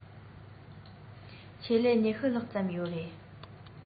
ཆེད ལས ༢༠ ལྷག ཙམ ཡོད རེད